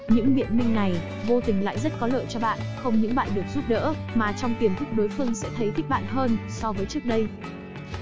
những biện minh này vô tình lại rất có lợi cho bạn không những bạn được giúp đỡ mà trong tiềm thức đối phương sẽ thấy thích bạn hơn so với trước đây